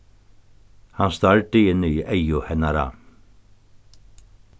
hann stardi inn í eygu hennara